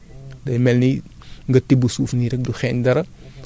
mooy day dem ba dootul amati xet dootul xeeñati dara